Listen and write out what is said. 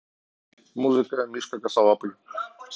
музыка мишка косолапый